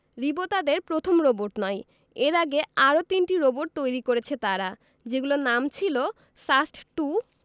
রিবো তাদের প্রথম রোবট নয় এর আগে আরও তিনটি রোবট তৈরি করেছে তারা যেগুলোর নাম ছিল সাস্ট টু